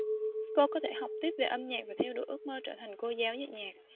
cô có thể học tiếp về âm nhạc và theo đuổi ước mơ trở thành cô giáo dạy nhạc